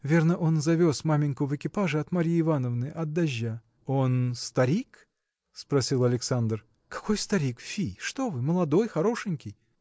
Верно, он завез маменьку в экипаже от Марьи Ивановны, от дождя. – Он. старик? – спросил Александр. – Какой старик, фи! что вы: молодой, хорошенький!.